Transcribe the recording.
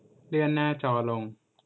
เลื่อนหน้าจอลง